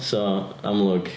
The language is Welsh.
So amlwg.